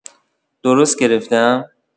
درست گرفته‌ام؟!